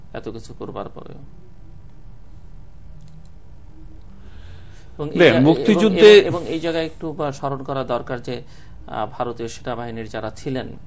এত কিছু করবার পরেও মুক্তিযুদ্ধে এবং এ জায়গায় একটু স্মরণ করা দরকার যে ভারতীয় সেনাবাহিনীর যারা ছিলেন